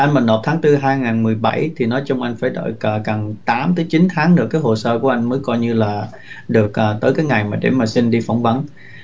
anh mình nộp tháng tư hai nghìn mười bảy thì nói chung anh phải đợi cờ cần tám tới chín tháng nữa các hồ sơ của anh mới coi như là được tới cái ngày mà để mà xin đi phỏng vấn